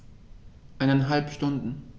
Eineinhalb Stunden